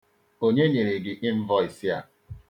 Onye nyere gị ịnvọịsị a?